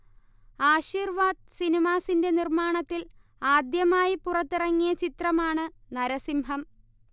ആശീർവാദ് സിനിമാസിന്റെ നിർമ്മാണത്തിൽ ആദ്യമായി പുറത്തിറങ്ങിയ ചിത്രമാണ് നരസിംഹം